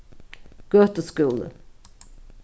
gøtu skúli